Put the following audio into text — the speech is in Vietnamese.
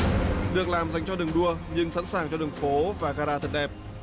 được làm dành cho đường đua nhưng sẵn sàng cho đường phố và ga đa thật đẹp